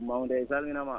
Mawnde e salminamaa